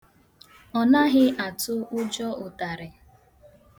Ọ naghị atụ ụjọ ụtarị